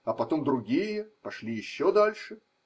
А потом другие пошли еще дальше.